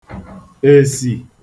èsì